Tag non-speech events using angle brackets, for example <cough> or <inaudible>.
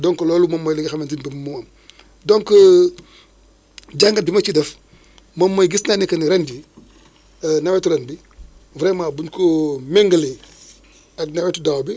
donc loolu moom mooy li nga xamante ni moom moo am donc <hesitation> jàngat bi ma ci def moom mooy gis naa ni que ren jii <hesitation> nawetu ren bi vraiment buñ ko <hesitation> méngalee ak nawetu daaw bio